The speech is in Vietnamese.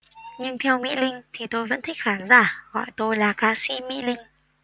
nhưng theo mỹ linh thì tôi vẫn thích khán giả gọi tôi là ca sỹ mỹ linh